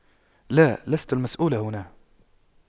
لا لست المسؤول هنا